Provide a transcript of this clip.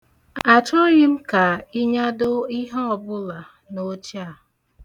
Achọghị m ka ị nyado ihe ọbụla n'oche a.